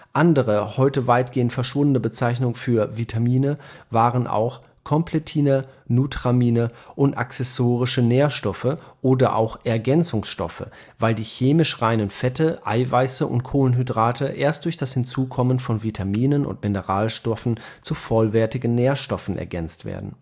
Andere, heute weitgehend verschwundene Bezeichnungen für Vitamine waren auch: Komplettine, Nutramine und akzessorische Nährstoffe oder auch Ergänzungsstoffe, weil die chemisch reinen Fette, Eiweiße und Kohlenhydrate erst durch das Hinzukommen von Vitaminen (und Mineralstoffen) zu vollwertigen Nährstoffen ergänzt werden